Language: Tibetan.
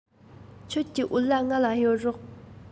ཁྱོད ཀྱི བོད ལྭ ང ལ གཡོར རོགས